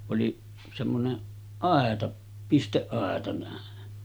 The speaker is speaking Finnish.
oli semmoinen aita pisteaita näin